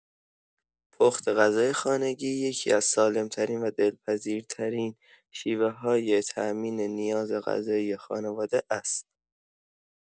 پخت غذای خانگی یکی‌از سالم‌ترین و دلپذیرترین شیوه‌های تأمین نیاز غذایی خانواده است.